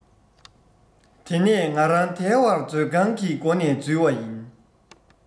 དེ ནས ང རང དལ བར མཛོད ཁང གི སྒོ ནས འཛུལ བ ཡིན